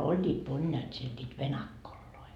olivat moniaat siellä niitä venakkoja